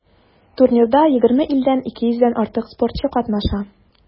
Турнирда 20 илдән 200 дән артык спортчы катнаша.